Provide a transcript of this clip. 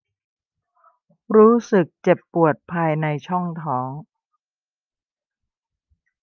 รู้สึกเจ็บปวดภายในช่องท้อง